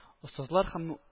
Остазлар һәм